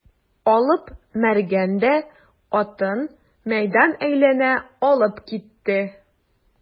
Алып Мәргән дә атын мәйдан әйләнә алып китте.